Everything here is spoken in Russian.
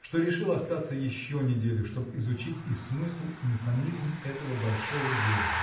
что решил остаться еще неделю, чтобы изучить и смысл, и механизм этого большого дела.